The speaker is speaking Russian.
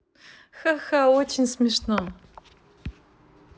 хаха очень смешно